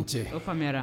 Faamuya